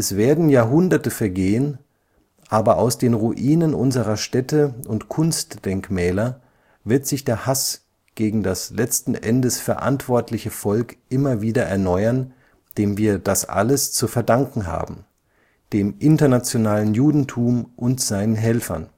werden Jahrhunderte vergehen, aber aus den Ruinen unserer Städte und Kunstdenkmäler wird sich der Haß gegen das letzten Endes verantwortliche Volk immer wieder erneuern, dem wir das alles zu verdanken haben: dem internationalen Judentum und seinen Helfern